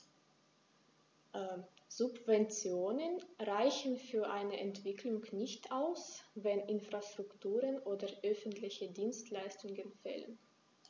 Subventionen reichen für eine Entwicklung nicht aus, wenn Infrastrukturen oder öffentliche Dienstleistungen fehlen.